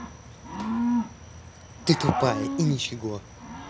ты тупая и ничего